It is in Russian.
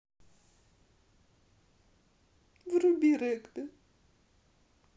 вруби регби